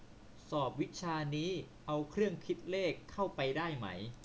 สอบวิชานี้เอาเครื่องคิดเลขเข้าไปได้ไหม